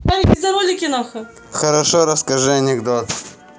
хорошо расскажи анекдот